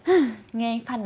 nghe anh